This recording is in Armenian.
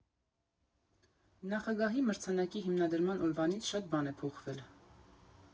Նախագահի մրցանակի հիմնադրման օրվանից շատ բան է փոխվել։